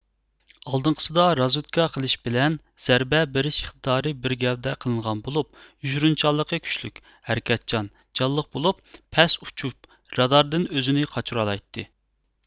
ئالدىنقىسىدا رازۋېدكا قىلىش بىلەن زەربە بېرىش ئىقتىدارى بىر گەۋدە قىلىنغان بولۇپ يوشۇرۇنچانلىقى كۈچلۈك ھەرىكەتچان جانلىق بولۇپ پەس ئۇچۇپ راداردىن ئۆزىنى قاچۇرالايتتى